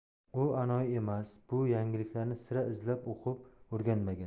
u anoyi emas bu yangiliklarni sira izlab o'qib o'rganmagan